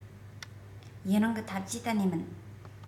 ཡུན རིང གི ཐབས ཇུས གཏན ནས མིན